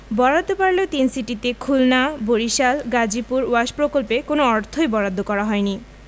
বরাদ্দ বাড়লেও তিন সিটিতে খুলনা বরিশাল গাজীপুর ওয়াশ প্রকল্পে কোনো অর্থই বরাদ্দ করা হয়নি